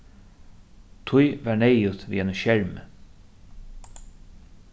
tí var neyðugt við einum skermi